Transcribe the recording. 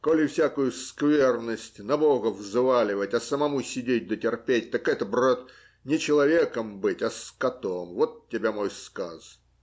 Коли всякую скверность на бога взваливать, а самому сидеть да терпеть, так это, брат, не человеком быть, а скотом. Вот тебе мой сказ.